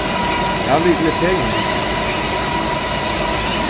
tað vil eg fegin vita